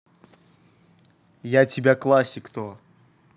я тебя classic то